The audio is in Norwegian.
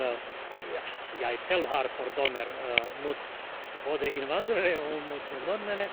Ja, så jeg selv har fordommer mot både innvandrere og mot nordmenn.